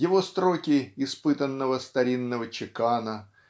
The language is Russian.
Его строки - испытанного старинного чекана